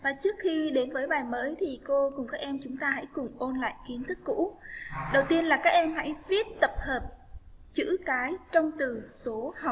trước khi đến với bài mới thì cô cùng các em chúng ta hãy cùng ôn lại kiến thức cũ đầu tiên là các em hãy viết tập hợp chữ cái trong từ số học